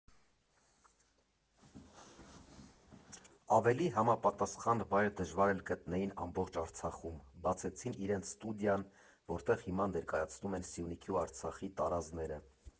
Ավելի համապատասխան վայր դժվար էլ գտնեին ամբողջ Արցախում, բացեցին իրենց ստուդիան, որտեղ հիմա ներկայացնում են Սյունիքի ու Արցախի տարազները։